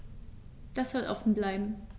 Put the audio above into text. Das soll offen bleiben.